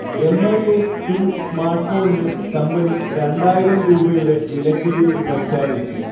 M. I. A two സ്മാർട്ഫോണിന് കമ്പനി രണ്ടായിരം രൂപയുടെ വിലക്കിഴിവ് പ്രഖ്യാപിച്ചു